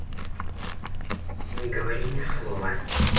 не говори ни слова